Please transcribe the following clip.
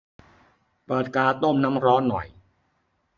เปิดกาต้มน้ำร้อนหน่อย